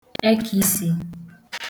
ekìisī